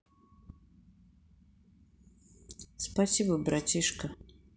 спасибо братишка